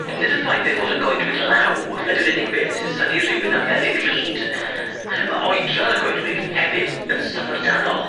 Nid y ffaith ei fod yn goedwig law ydi'r unig beth sy'n synnu rhywun am Felyn Rhyd. Ma' oedran y goedwig hefyd yn syfyrdanol.